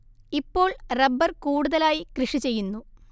ഇപ്പോൾ റബ്ബർ കൂടുതലായി കൃഷി ചെയ്യുന്നു